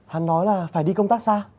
hắn nói là phải đi công tác xa